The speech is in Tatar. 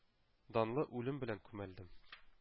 Данлы үлем белән күмәлмәдем